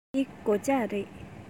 འདི སྒོ ལྕགས རེད